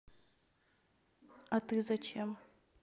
а ты зачем